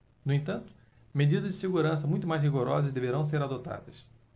no entanto medidas de segurança muito mais rigorosas deverão ser adotadas